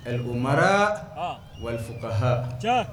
El oumara ;Han; Wal foukaha tiɲɛ.